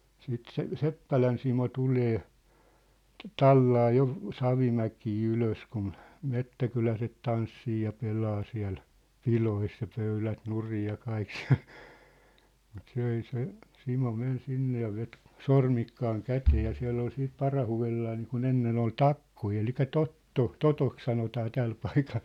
sitten se Seppälän Simo tulee tallaa jo Savimäkeä ylös kun metsäkyläiset tanssii ja pelaa siellä pidoissa ja pöydät nurin ja kaikki siellä mutta se ei se Simo meni sinne ja veti sormikkaan käteen ja siellä oli sitten parahudellaan niin kuin ennen oli takkoja eli totto totoksi sanotaan tällä paikalla